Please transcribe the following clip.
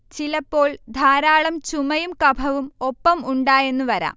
ചിലപ്പോൾ ധാരാളം ചുമയും കഫവും ഒപ്പം ഉണ്ടായെന്ന് വരാം